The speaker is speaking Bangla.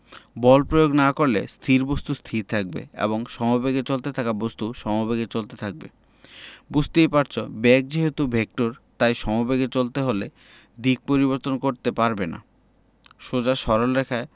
বল প্রয়োগ না করলে স্থির বস্তু স্থির থাকবে এবং সমেবেগে চলতে থাকা বস্তু সমেবেগে চলতে থাকবে বুঝতেই পারছ বেগ যেহেতু ভেক্টর তাই সমবেগে চলতে হলে দিক পরিবর্তন করতে পারবে না সোজা সরল রেখায়